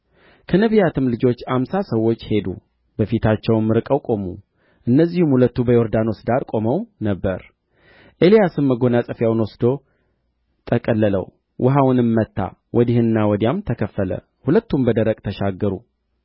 እግዚአብሔር ወደ ዮርዳኖስ ልኮኛልና እባክህ በዚህ ቆይ አለው እርሱም ሕያው እግዚአብሔርን በሕያው ነፍስህም እምላለሁ አልለይህም አለ ሁለቱም ሄዱ